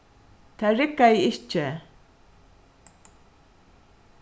tað riggaði ikki